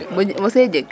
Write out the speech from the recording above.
mosee jeg .